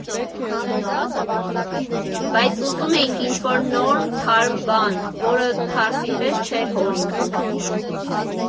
Բայց ուզում էինք ինչ֊որ նոր, թարմ բան, որը թարսի պես չէր հորինվում։